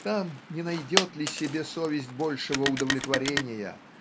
там не найдет ли себе совесть большего удовлетворения